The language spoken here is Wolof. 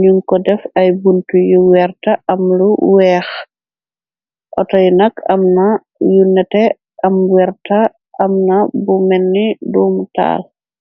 nuñ ko def ay bunt yu werta am lu weex autoyu nak amna yu nete am werta am na bu menni duumu taal.